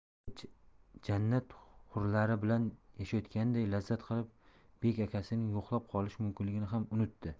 u jannat hurlari bilan yashayotganiday lazzat qilib bek akasining yo'qlab qolishi mumkinligini ham unutdi